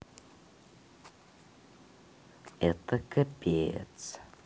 это капец